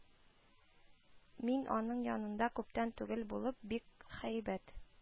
Мин аның янында күптән түгел булып, бик һәйбәт